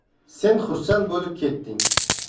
sen xursand bo'lib ketding